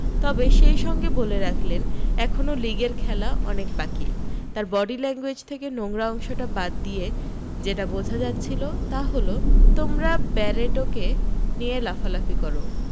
তবে সেই সঙ্গে বলে রাখলেন এখনও লিগের খেলা অনেক বাকী তার বডি ল্যাঙ্গুয়েজ থেকে নোংরা অংশটা বাদ দিয়ে যেটা বোঝা যাচ্ছিল তা হল তোমরা ব্যারেটোকে নিয়ে লাফালাফি করো